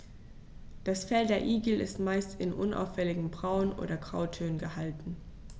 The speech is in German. Das Fell der Igel ist meist in unauffälligen Braun- oder Grautönen gehalten.